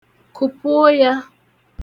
Kụpuo ya!